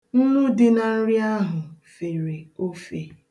Nnu dị na nri ahụ fere ofe.